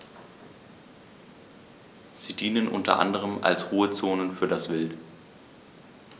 Sie dienen unter anderem als Ruhezonen für das Wild.